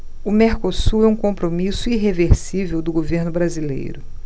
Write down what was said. o mercosul é um compromisso irreversível do governo brasileiro